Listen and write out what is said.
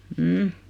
mm